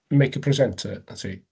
Make a presenter, 'na ti.